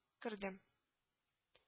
Керде